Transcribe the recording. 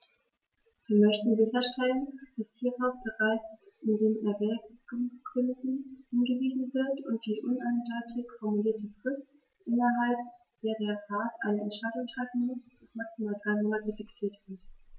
Wir möchten sicherstellen, dass hierauf bereits in den Erwägungsgründen hingewiesen wird und die uneindeutig formulierte Frist, innerhalb der der Rat eine Entscheidung treffen muss, auf maximal drei Monate fixiert wird.